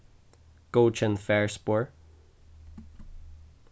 góðkenn farspor